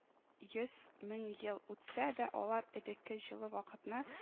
Йөз мең ел үтсә дә алар элекке җылы вакытны